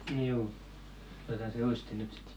niin juu otetaan se uistin nyt sitten